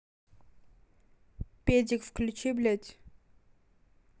педик включи блядь